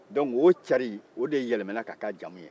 o la o carin o de yɛlɛmana ka k'a jamu ye